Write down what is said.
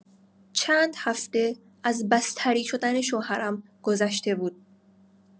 چند هفته از بستری شدن شوهرم گذشته بود.